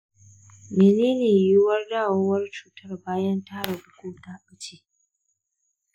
mene ne yiwuwar dawowar cutar bayan ta ragu ko ta ɓace?